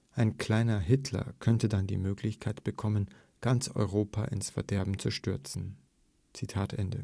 Ein ‚ kleiner Hitler ‘könnte damit die Möglichkeit bekommen, ganz Europa ins Verderben zu stürzen. “Im